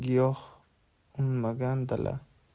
giyoh unmagan dala